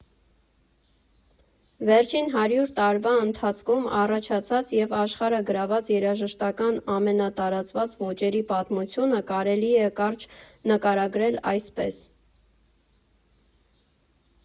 Վերջին հարյուր տարվա ընթացքում առաջացած և աշխարհը գրաված երաժշտական ամենատարածված ոճերի պատմությունը կարելի է կարճ նկարագրել այսպես.